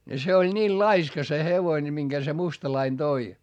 ne se oli niillä laiska se hevonen minkä se mustalainen toi